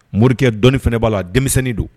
Morikɛ dɔnni fana b' la denmisɛnnin don